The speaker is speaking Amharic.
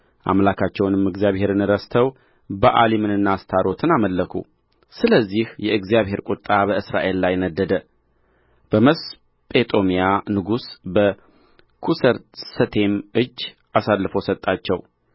አምላካቸውንም እግዚአብሔርን ረስተው በኣሊምንና አስታሮትን አመለኩ ስለዚህ የእግዚአብሔር ቍጣ በእስራኤል ላይ ነደደ በመስጴጦምያ ንጉሥ በኵሰርሰቴም እጅ አሳልፎ ሰጣቸው